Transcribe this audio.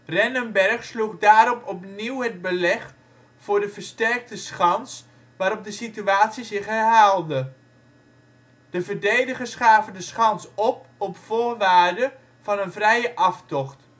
Rennenberg sloeg daarop opnieuw het beleg voor de versterkte schans, waarop de situatie zich herhaalde; de verdedigers gaven de schans op op voorwaarde van een vrije aftocht